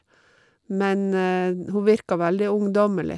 Men hun virker veldig ungdommelig.